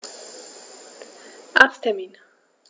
Arzttermin